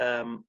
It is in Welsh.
yym